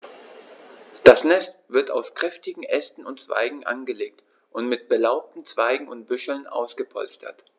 Das Nest wird aus kräftigen Ästen und Zweigen angelegt und mit belaubten Zweigen und Büscheln ausgepolstert.